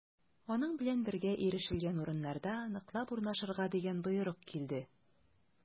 Аның белән бергә ирешелгән урыннарда ныклап урнашырга дигән боерык килде.